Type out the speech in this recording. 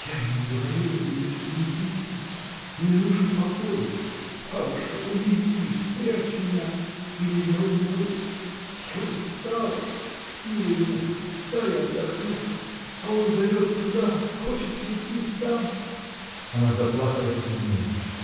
— Я и не говорила бы, если б не письма. Мне нужен покой. Бабушка! увези, спрячь меня. или я умру! Я устала. силы нет. дай отдохнуть. А он зовет туда. хочет прийти сам. Она заплакала сильнее.